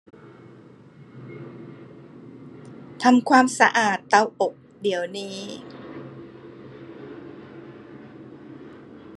ทำความสะอาดเตาอบเดี๋ยวนี้